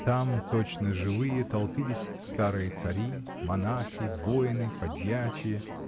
Там, точно живые, толпились старые цари, монахи, воины, подьячие.